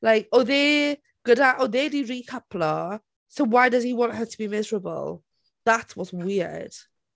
Like, oedd e gyda... oedd e 'di rîcyplo, so why does he want her to be miserable? That's what's weird.